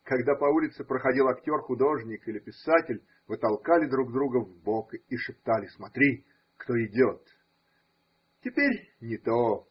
Когда по улице проходил актер, художник или писатель, вы толкали друг друга в бок и шептали: смотри, кто идет! Теперь не то.